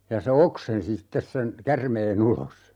ja se oksensi sitten sen käärmeen ulos